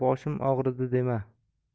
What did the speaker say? boshim og'ridi dema